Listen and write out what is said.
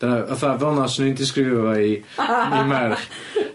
Dyna fatha fel 'na swn i'n disgrifio fo i i merch.